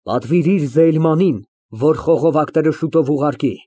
Պատվիրիր Զեյլմանին, որ խողովակները շուտով ուղարկի։